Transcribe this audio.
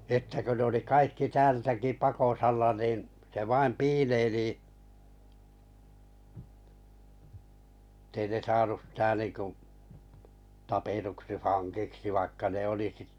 sitten kun ne oli kaikki täältäkin pakosalla niin se vain piileili että ei ne saanut sitä niin kuin tapetuksi vangiksi vaikka ne oli -